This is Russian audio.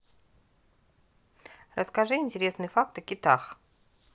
расскажи интересный факт о китах